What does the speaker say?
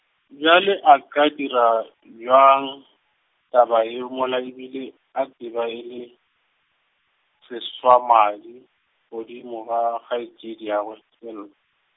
bjale a ka dira bjang, taba ye mola e bile a tseba e le, seswamadi-, godimo ga, kgaetšedi ya gwe Sel-.